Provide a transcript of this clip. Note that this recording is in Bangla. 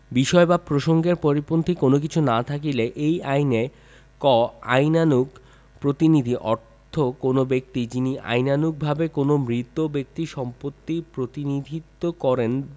বিষয় বা প্রসঙ্গের পরিপন্থী কোন কিছু না থাকিলে এই আইনে ক আইনানুগ প্রতিনিধি অর্থ কোন ব্যক্তি যিনি আইনানুগভাবে কোন মৃত ব্যক্তির সম্পত্তির প্রতিনিধিত্ব করেন